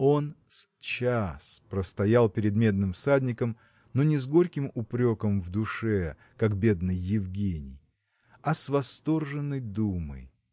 Он с час простоял перед Медным Всадником но не с горьким упреком в душе как бедный Евгений а с восторженной думой.